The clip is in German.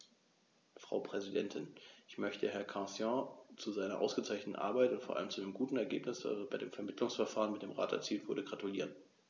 Frau Präsidentin, ich möchte Herrn Cancian zu seiner ausgezeichneten Arbeit und vor allem zu dem guten Ergebnis, das bei dem Vermittlungsverfahren mit dem Rat erzielt wurde, gratulieren.